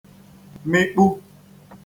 mị̀kpu